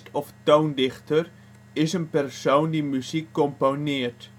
of toondichter (es) is een persoon die muziek componeert